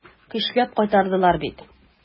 Көчләп кайтардылар бит.